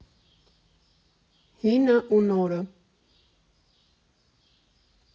Հինն ու նորը։